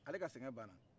ale ka sɛgɛn banna